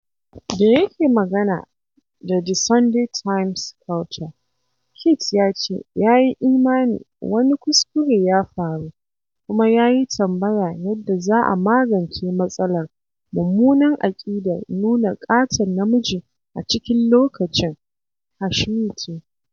Da yake magana da The Sunday Times Culture, Kit ya ce ya yi imani 'wani kuskure ya faru' kuma ya yi tambaya yadda za a magance matsalar mummunan aƙidar nuna ƙaton namiji a cikin lokacin #MeToo.